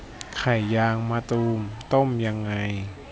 ไข่ยางมะตูมต้มยังไง